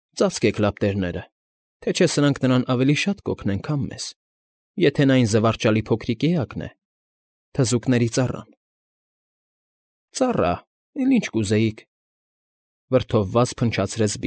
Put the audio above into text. Ծածկեք լապտերները, թե չէ սրանք նրան ավելի շատ կօգնեն, քան մեզ, եթե նա այն զվարճալի փոքրիկ էակն է, թզուկների ծառան։ ֊ Ծառա՜, էլ ինչ կուզեիք,֊ վրդովված փնչացրեց։